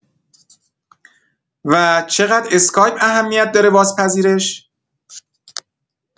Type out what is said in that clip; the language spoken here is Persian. و چقد اسکایپ اهمیت داره واس پذیرش؟